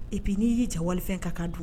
Ip n'i y'i cɛwalefɛn ka ka du